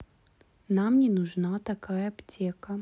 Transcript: нам не нужна такая аптека